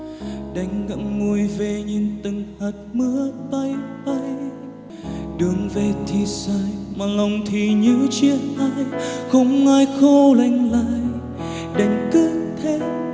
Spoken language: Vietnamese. đành ngậm ngùi về nhìn từng hạt mưa bay bay đường về thì dài mà lòng thì như chia hai không ai khâu lành lại đành cứ thế